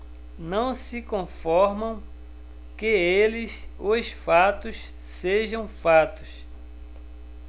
não se conformam que eles os fatos sejam fatos